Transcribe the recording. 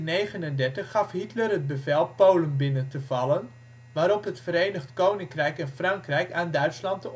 1939 gaf Hitler het bevel Polen binnen te vallen, waarop het Verenigd Koninkrijk en Frankrijk aan Duitsland